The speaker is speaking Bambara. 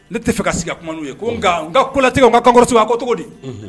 Ne tɛ fɛ ka sigi kumaumana' ye ko nka n ka kotɛ ma ka kɔrɔ ko cogo di